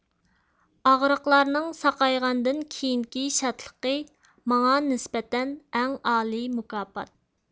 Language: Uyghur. ئاغرىقلارنىڭ ساقايغاندىن كېيىنكى شاتلىقى ماڭا نىسبەتەن ئەڭ ئالىي مۇكاپات